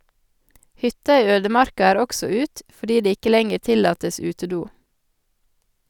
Hytta i ødemarka er også ut, fordi det ikke lenger tillates utedo.